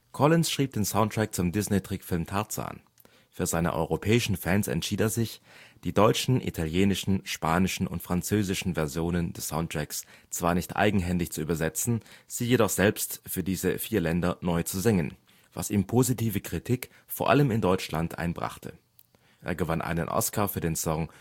Collins schrieb den Soundtrack zum Disney-Trickfilm Tarzan. Für seine europäischen Fans entschied er sich, die deutschen, italienischen, spanischen und französischen Versionen des Soundtracks zwar nicht eigenhändig zu übersetzen, sie jedoch selbst für diese vier Länder neu zu singen, was ihm positive Kritik, vor allem in Deutschland, einbrachte. Er gewann einen Oscar für den Song